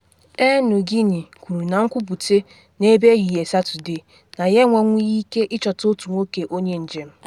Air Niugini kwuru na nkwupute n’ebe ehihie Satọde, na ya enwenwughi ike ịchọta otu nwoke onye njem.